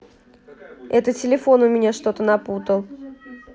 это телефон у меня что то напутал